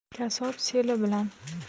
kabob seli bilan